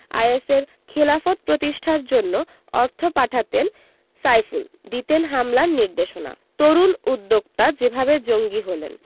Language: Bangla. আইএসের খিলাফত প্রতিষ্ঠার জন্য অর্থ পাঠাতেন সাইফুল দিতেন হামলার নির্দেশনা তরুণ উদ্যোক্তা যেভাবে জঙ্গি হলেন